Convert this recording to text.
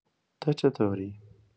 تو چطوری؟